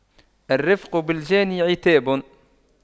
الرفق بالجاني عتاب